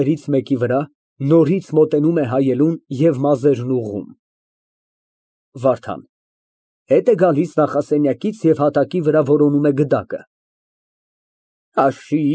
ԶԱՐՈՒՀԻ ֊ Ով գիտե, քսան մանեթ եք տվել… ՌՈԶԱԼԻԱ ֊ (Արհամարհանքով) Ֆիդոն, հիմա ամեն մի մակլերի աղջիկ էլ քսան մանեթանոց գլխարկ է հագնում։